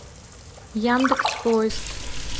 яндекс поиск